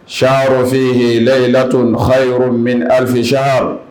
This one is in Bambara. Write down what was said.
Srofin hla i laa to h yɔrɔ min alifi sa